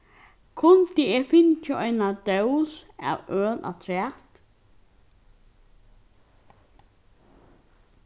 kundi eg fingið eina dós av øl afturat